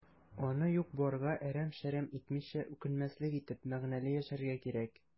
Аны юк-барга әрәм-шәрәм итмичә, үкенмәслек итеп, мәгънәле яшәргә кирәк.